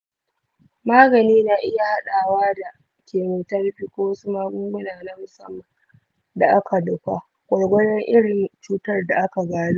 magani na iya haɗawa da chemotherapy ko wasu magunguna na musamman da aka nufa, gwargwadon irin cutar da aka gano.